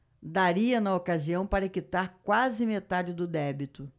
daria na ocasião para quitar quase metade do débito